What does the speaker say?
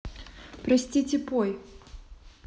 простите пой